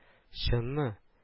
— чынмы